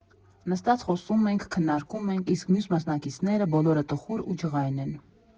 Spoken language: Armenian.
Նստած խոսում ենք, քննարկում ենք, իսկ մյուս մասնակիցները բոլորը տխուր ու ջղայն են։